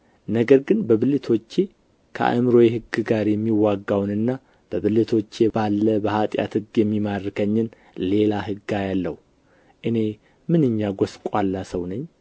ነገር ግን በብልቶቼ ከአእምሮዬ ሕግ ጋር የሚዋጋውንና በብልቶቼ ባለ በኃጢአት ሕግ የሚማርከኝን ሌላ ሕግ አያለሁ እኔ ምንኛ ጎስቋላ ሰው ነኝ